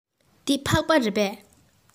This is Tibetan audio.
འདི ཕག པ རེད པས